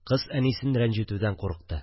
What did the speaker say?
Кыз әнисен рәнҗетүдән курыкты